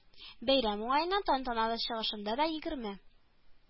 Бәйрәм уңаеннан тантаналы чыгышында да егерме